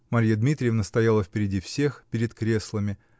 Марья Дмитриевна стояла впереди всех, перед креслами